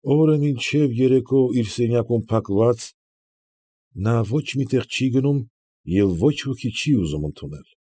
Օրը մինչև երեկո իր սենյակում փակված՝ նա ոչ մի տեղ չի գնում և ոչ ոքի չի ուզում ընդունել։